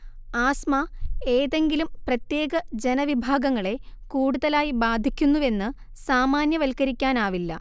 asthma ഏതെങ്കിലും പ്രത്യേക ജനവിഭാഗങ്ങളെ കൂടുതലായി ബാധിക്കുന്നുവെന്ന് സാമാന്യവൽക്കരിക്കാനാവില്ല